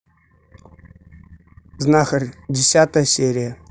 знахарь десятая серия